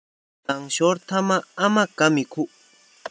ལང ཤོར ཐ མ ཨ མ དགའ མི ཁུག